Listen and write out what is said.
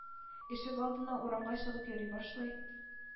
Ишегалдына, урамга чыгып йөри башлый.